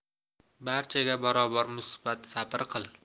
barchaga barobar musibat sabr qil